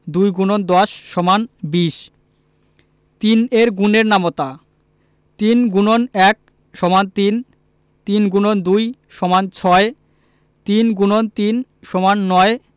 ২ ×১০ = ২০ ৩ এর গুণের নামতা ৩ X ১ = ৩ ৩ X ২ = ৬ ৩ × ৩ = ৯